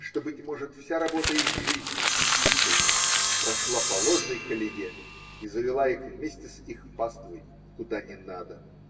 что, быть может, вся работа их жизни действительно прошла по ложной колее и завела их вместе с их паствой. куда не надо.